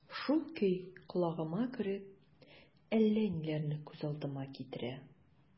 Шул көй колагыма кереп, әллә ниләрне күз алдыма китерә...